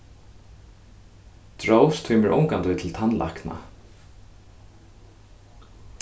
drós tímir ongantíð til tannlækna